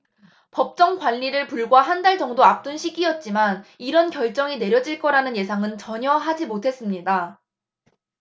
법정관리를 불과 한 달 정도 앞둔 시기였지만 이런 결정이 내려질 거라는 예상은 전혀 하지 못했습니다